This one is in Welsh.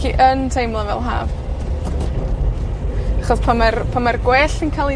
hi yn teimlo fel Haf. Achos pan mae'r, pan mae'r gwellt yn ca'l 'i